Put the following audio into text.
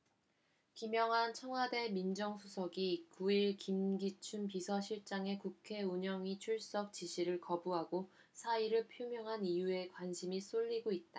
김영한 청와대 민정수석이 구 일 김기춘 비서실장의 국회 운영위 출석 지시를 거부하고 사의를 표명한 이유에 관심이 쏠리고 있다